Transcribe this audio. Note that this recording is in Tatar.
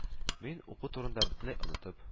Мин, уку турында бөтенләй онытып